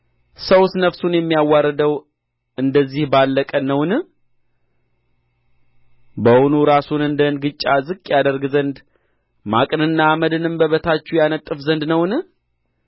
ሰውስ ነፍሱን የሚያዋርደው እንደዚህ ባለ ቀን ነውን በውኑ ራሱን እንደ እንግጫ ዝቅ ያደርግ ዘንድ ማቅንና አመድንም በበታቹ ያነጥፍ ዘንድ ነውን